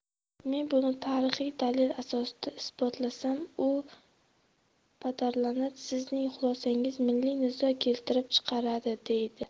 men buni tarixiy dalil asosida isbotlasam u padarla'nat sizning xulosangiz milliy nizo keltirib chiqaradi deydi